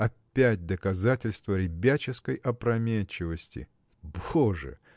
Опять доказательство ребяческой опрометчивости. Боже!